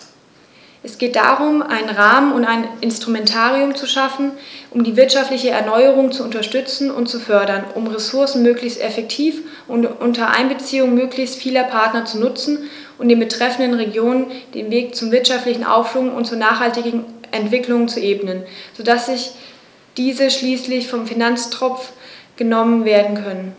Es geht darum, einen Rahmen und ein Instrumentarium zu schaffen, um die wirtschaftliche Erneuerung zu unterstützen und zu fördern, um die Ressourcen möglichst effektiv und unter Einbeziehung möglichst vieler Partner zu nutzen und den betreffenden Regionen den Weg zum wirtschaftlichen Aufschwung und zur nachhaltigen Entwicklung zu ebnen, so dass diese schließlich vom Finanztropf genommen werden können.